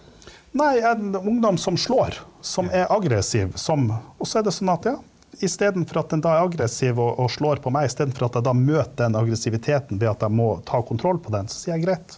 nei en ungdom som slår, som er aggressiv, som og så er det sånn at ja, istedenfor at den da er aggressiv og og slår på meg, istedenfor at jeg da møter den aggressiviteten ved at jeg må ta kontroll på den, så sier jeg greit.